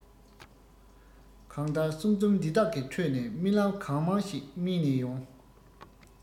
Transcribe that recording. གང ལྟར གསུང རྩོམ འདི དག གི ཁྲོད ནས རྨི ལམ གང མང ཞིག རྨིས ནས ཡོང